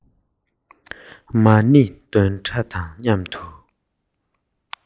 མ ཎི འདོན སྒྲ དང མཉམ དུ